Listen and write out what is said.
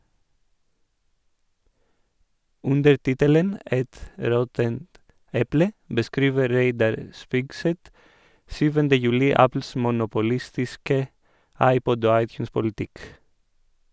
Under tittelen «Et råttent eple» beskriver Reidar Spigseth 7. juli Apples monopolistiske iPod- og iTunes-politikk.